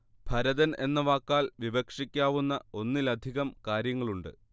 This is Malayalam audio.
ഭരതൻ എന്ന വാക്കാൽ വിവക്ഷിക്കാവുന്ന ഒന്നിലധികം കാര്യങ്ങളുണ്ട്